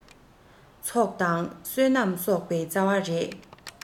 ཚོགས དང བསོད ནམས གསོག པའི རྩ བ རེད